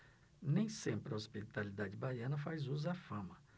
nem sempre a hospitalidade baiana faz jus à fama